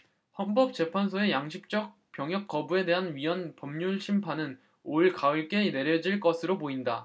헌법재판소의 양심적 병역거부에 대한 위헌 법률심판은 올가을께 내려질 것으로 보인다